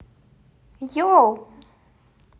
йо